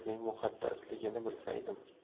yerning muqaddasligini bilsaydim